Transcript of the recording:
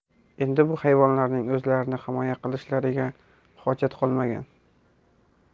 endi bu hayvonlarning o'zlarini himoya qilishlariga hojat qolmagan